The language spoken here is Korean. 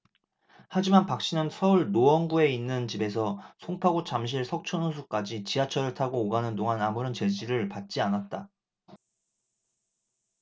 하지만 박씨는 서울 노원구에 있는 집에서 송파구 잠실 석촌호수까지 지하철을 타고 오가는 동안 아무런 제지를 받지 않았다